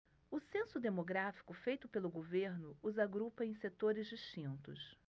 o censo demográfico feito pelo governo os agrupa em setores distintos